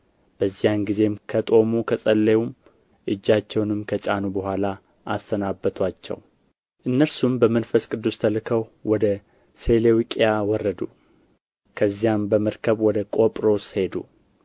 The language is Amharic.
በዚያን ጊዜም ከጦሙ ከጸለዩም እጃቸውንም ከጫኑ በኋላ አሰናበቱአቸው እነርሱም በመንፈስ ቅዱስ ተልከው ወደ ሴሌውቅያ ወረዱ ከዚያም በመርከብ ወደ ቆጵሮስ ሄዱ